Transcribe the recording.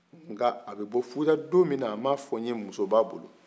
nga a bɛ bɔ futa don min a man fɔ n ye muso b'a bolo